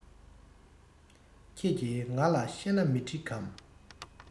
ཁྱེད ཀྱི ང ལ གཤད ན མི གྲིག གམ